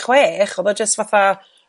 chwech o'dd o jyst fatha'